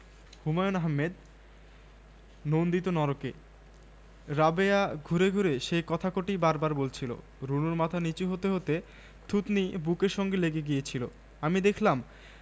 হুমায়ুন আহমেদ নন্দিত নরকে রাবেয়া ঘুরে ঘুরে সেই কথা কটিই বার বার বলছিলো রুনুর মাথা নীচু হতে হতে থুতনি বুকের সঙ্গে লেগে গিয়েছিলো আমি দেখলাম